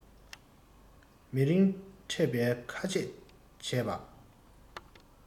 མི རིང ཕྲད པའི ཁ ཆད བྱས པ